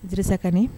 Di ka